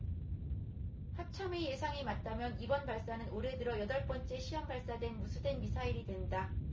합참의 예상이 맞다면 이번 발사는 올해 들어 여덟 번째 시험발사된 무수단 미사일이 된다